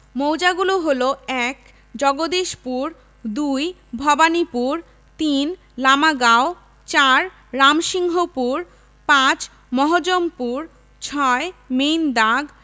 মৌজাগুলো হলো ১ জগদীশপুর ২ ভবানীপুর ৩ লামাগাঁও ৪ রামসিংহপুর ৫ মহজমপুর ৬ মেইন দাগ